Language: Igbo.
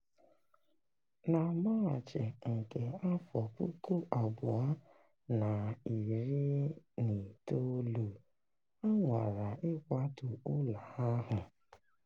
Na Maachị nke 2019, a nwara ịkwatu ụlọ ahụ.